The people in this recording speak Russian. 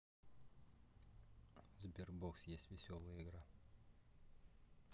sberbox есть веселая игра